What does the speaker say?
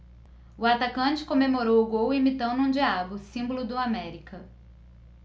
o atacante comemorou o gol imitando um diabo símbolo do américa